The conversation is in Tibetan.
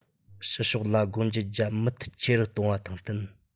ཕྱི ཕྱོགས ལ སྒོ འབྱེད རྒྱ མུ མཐུད ཆེ རུ གཏོང བ དང བསྟུན